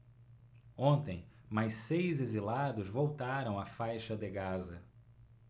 ontem mais seis exilados voltaram à faixa de gaza